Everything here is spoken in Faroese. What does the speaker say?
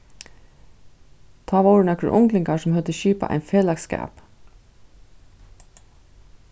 tá vóru nakrir unglingar sum høvdu skipað ein felagsskap